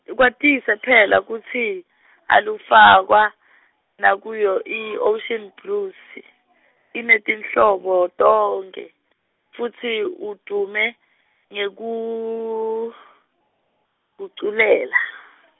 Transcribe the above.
kwatise phela kutsi, alufakwa, nakuyo i- Ocean Blues, inetinhlobo tonkhe , futsi idvume, ngekuguculela.